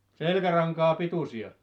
selkärankaa pituisia